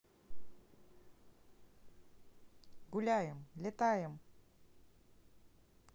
гуляем летаем